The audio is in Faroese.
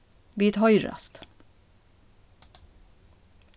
vit hoyrast